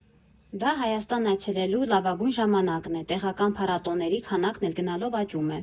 Դա Հայաստան այցելելու լավագույն ժամանակն է, տեղական փառատոների քանակն էլ գնալով աճում է։